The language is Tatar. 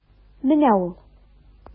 Менә ул.